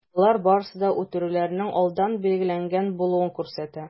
Болар барысы да үтерүләрнең алдан билгеләнгән булуын күрсәтә.